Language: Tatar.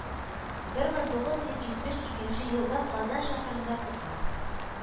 Бер мең тугыз йөз җитмеш икенче елда казан шәһәрендә туган